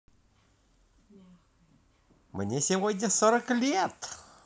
мне сегодня сорок лет